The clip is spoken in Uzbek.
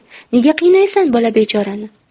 nega qiynaysan bola bechorani